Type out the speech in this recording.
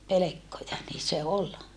pelkkoja niin se oli